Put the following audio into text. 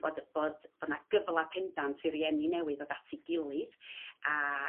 bod bod bo' 'na gyfla pendant i rieni newydd ddodd at i gilydd a